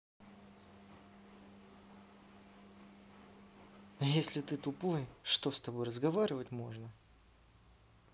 а если ты тупой что с тобой разговаривать можно